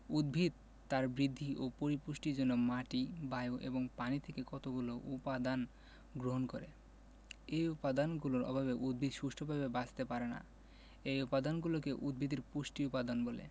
উদ্ভিদ তার বৃদ্ধি ও পরিপুষ্টির জন্য মাটি বায়ু এবং পানি থেকে কতগুলো উপদান গ্রহণ করে এ উপাদানগুলোর অভাবে উদ্ভিদ সুষ্ঠুভাবে বাঁচতে পারে না এ উপাদানগুলোকে উদ্ভিদের পুষ্টি উপাদান বলে